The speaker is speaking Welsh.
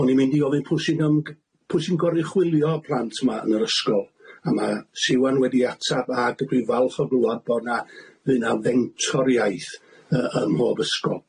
O'n i'n mynd i ofyn pw' sy'n yym g- pw' sy'n goruchwylio y plant 'ma yn yr ysgol a ma' Siwan wedi atab ag mi dwi'n falch o glwad bo 'na fydd 'na fentor iaith yy ym mhob ysgol. Hynny'n newyddion da.